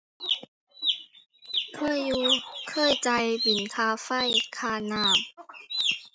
เคยอยู่ เคยจ่ายบิลค่าไฟ ค่าน้ำ